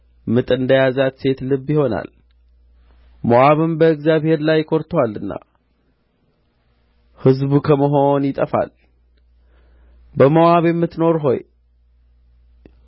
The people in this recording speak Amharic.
ምጥ እንደ ያዛት ሴት ልብ ይሆናል ሞዓብም በእግዚአብሔር ላይ ኰርቶአልና ሕዝብ ከመሆን ይጠፋል በሞዓብ የምትኖር ሆይ